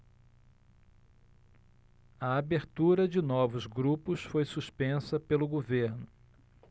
a abertura de novos grupos foi suspensa pelo governo